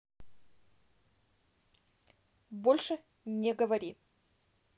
больше не говори